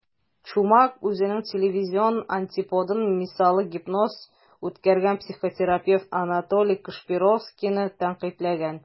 Чумак үзенең телевизион антиподын - массалы гипноз үткәргән психотерапевт Анатолий Кашпировскийны тәнкыйтьләгән.